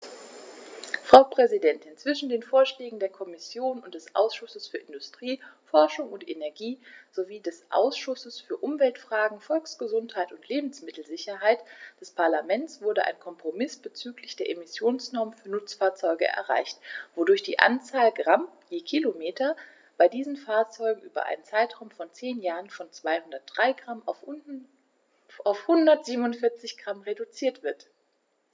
Frau Präsidentin, zwischen den Vorschlägen der Kommission und des Ausschusses für Industrie, Forschung und Energie sowie des Ausschusses für Umweltfragen, Volksgesundheit und Lebensmittelsicherheit des Parlaments wurde ein Kompromiss bezüglich der Emissionsnormen für Nutzfahrzeuge erreicht, wodurch die Anzahl Gramm je Kilometer bei diesen Fahrzeugen über einen Zeitraum von zehn Jahren von 203 g auf 147 g reduziert wird.